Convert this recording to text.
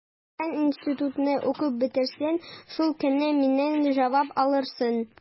Кайчан институтны укып бетерерсең, шул көнне миннән җавап алырсың.